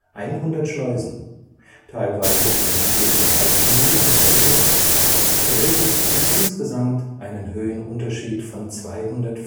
100 Schleusen, teilweise in den Flüssen Altmühl und Regnitz, bewältigten insgesamt einen Höhenunterschied von 264